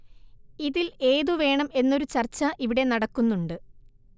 ഇതില്‍ ഏതു വേണം എന്നൊരു ചര്‍ച്ച ഇവിടെ നടക്കുന്നുണ്ട്